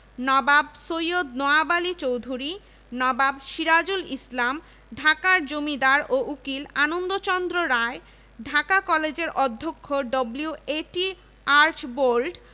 একটি প্রতিনিধিদল ১৯১২ সালের ১৬ ফেব্রুয়ারি ভাইসরয়ের সঙ্গে সাক্ষাৎ করে এ আশঙ্কা প্রকাশ করেন যে